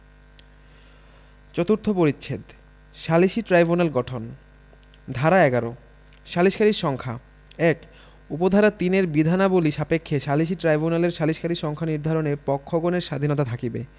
চতুর্থ পরিচ্ছেদ সালিসী ট্রাইব্যুনাল গঠন ধারা ১১ সালিসকারীর সংখ্যাঃ ১ উপ ধারা ৩ এর বিধানাবলী সাপেক্ষে সালিসী ট্রাইব্যুনালের সালিসকারীর সংখ্যা নির্ধারণে পক্ষগণের স্বাধীনতা থাকিবে